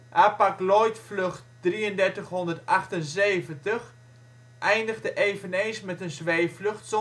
Hapag-Lloyd-vlucht 3378 eindigde eveneens met een zweefvlucht